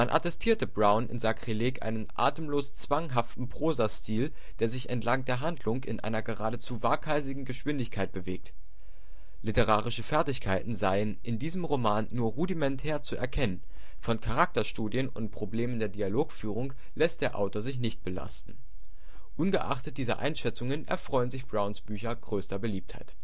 attestierte Brown in Sakrileg einen „ atemlos zwanghafte [n] Prosastil, der sich entlang der Handlung in einer geradezu waghalsigen Geschwindigkeit bewegt. “Literarische Fertigkeiten seien „ in diesem Roman nur rudimentär zu erkennen, von Charakterstudien und Problemen der Dialogführung lässt der Autor sich nicht belasten. “Ungeachtet dieser Einschätzungen erfreuen sich Browns Bücher größter Beliebtheit